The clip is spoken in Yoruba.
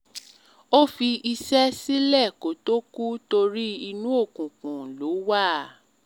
O fi iṣẹ́ sílẹ̀ kó tó kù torí “inú òkùkùn ló wà”.